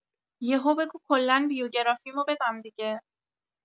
یهو بگو کلا بیوگرافیمو بدم دیگه